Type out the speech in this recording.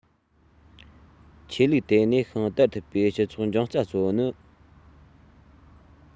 ཆོས ལུགས དེ གནས ཤིང དར ཐུབ པའི སྤྱི ཚོགས འབྱུང རྩ གཙོ བོ ནི